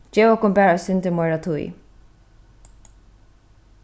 gevið okkum bara eitt sindur meira tíð